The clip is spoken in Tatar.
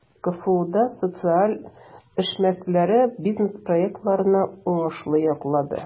КФУда социаль эшмәкәрләр бизнес-проектларны уңышлы яклады.